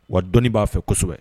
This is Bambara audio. Wa dɔnni b'a fɛ kosɛbɛ